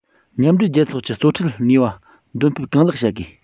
མཉམ འབྲེལ རྒྱལ ཚོགས ཀྱི གཙོ ཁྲིད ནུས པ འདོན སྤེལ གང ལེགས བྱ དགོས